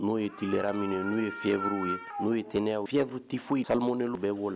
N'o ye tile minɛ n'o ye fifuruw ye n'o ye tɛnɛnw fifuruti foyi samuɛw bɛ bɔ